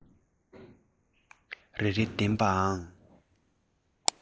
རེ རེ ལྡན པའང